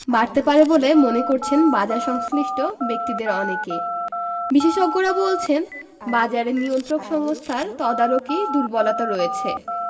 বাড়তে পারে বলে মনে করছেন বাজারসংশ্লিষ্ট ব্যক্তিদের অনেকে বিশেষজ্ঞরা বলছেন বাজারে নিয়ন্ত্রক সংস্থার তদারকি দুর্বলতা রয়েছে